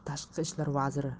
tashqi ishlar vaziri